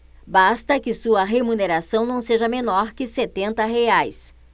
basta que sua remuneração não seja menor que setenta reais